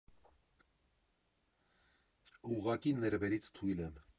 Ուղղակի ներվերից թույլ եմ։